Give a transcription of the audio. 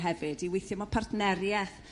hefyd i weithio mewn partneri'eth